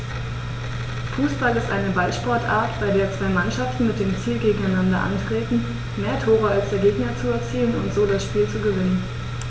Fußball ist eine Ballsportart, bei der zwei Mannschaften mit dem Ziel gegeneinander antreten, mehr Tore als der Gegner zu erzielen und so das Spiel zu gewinnen.